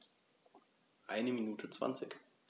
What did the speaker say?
Eine Minute 20